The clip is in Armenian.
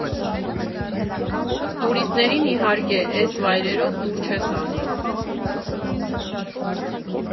Տուրիստներին, իհարկե, էս վայրերով տուր չես անի.